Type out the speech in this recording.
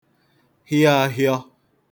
hịọ āhịọ̄